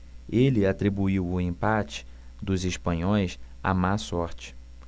ele atribuiu o empate dos espanhóis à má sorte